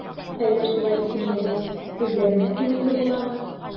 Әллә шулай исемләгәч, үзләренә күңелле буламы?